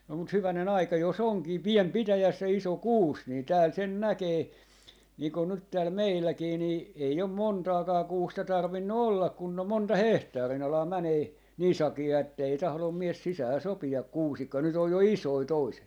no mutta hyvänen aika jos onkin pieni pitäjässä ja iso kuusi niin täällä sen näkee niin kuin nyt täällä meilläkin niin ei on montaakaan kuusta tarvinnut olla kun on monta hehtaarin alaa menee niin sakeaa että ei tahdo mies sisään sopia kuusikkoon nyt on jo isoja toiset